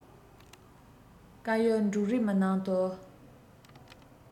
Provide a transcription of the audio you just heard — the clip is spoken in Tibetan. དཀར ཡོལ འབྲུག རིས མའི ནང དུ